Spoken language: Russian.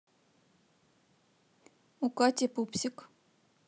у кати пупсик